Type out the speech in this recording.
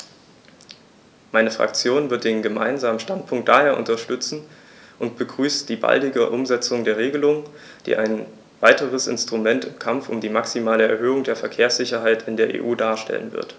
Meine Fraktion wird den Gemeinsamen Standpunkt daher unterstützen und begrüßt die baldige Umsetzung der Regelung, die ein weiteres Instrument im Kampf um die maximale Erhöhung der Verkehrssicherheit in der EU darstellen wird.